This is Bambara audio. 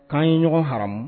K'an ye ɲɔgɔn ha